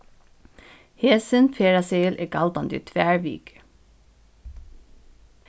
hesin ferðaseðil er galdandi í tvær vikur